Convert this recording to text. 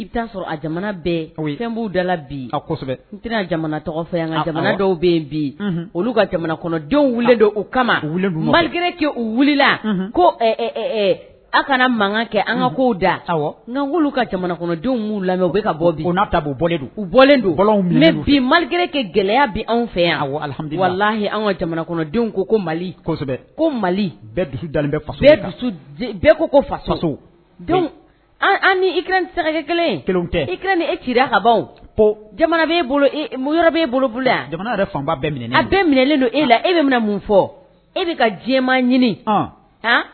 I'a sɔrɔ fɛn b' dala bi tɛna jamana tɔgɔ fɛ yan jamana dɔw bɛ bi olu ka jamanadenw weele don u kama malikɛ kɛ u wulila ko aw kana mankan kɛ an ka ko da aw n ka jamanadenw'u lamɛn ka bɔ don u bɔ don bi malikɛ kɛ gɛlɛya bi fɛ yan wa wala ka jamanadenw ko ko mali ko mali bɛɛ dusu ko ko i saraka kelen kelen tɛ i e ki kaban'e bolo bolo yan bɛɛ a bɛɛ minɛ don e la e bɛ mun fɔ e bɛ diɲɛma ɲini